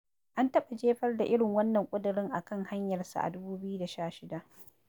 An taɓa jefar da irin wannan ƙudirin a kan hanyarsa a 2016.